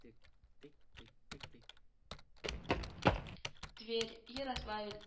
Тверь, Ярославль